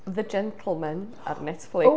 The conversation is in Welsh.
The Gentlemen ar Netflix.